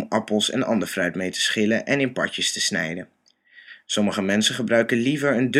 appels en ander fruit mee te schillen en in partjes te snijden. Sommige mensen gebruiken liever